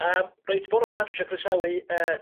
Yym reit bore 'ma dwi isio croesawu yy...